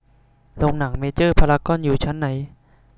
โรงหนังเมเจอร์พารากอนอยู่ชั้นไหน